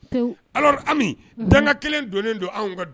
Pewu alors Ami, Danga kelen donnen don anw ka d